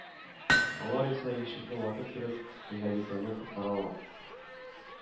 Алар исә ишекне ватып кереп хуҗабикәне коткаралар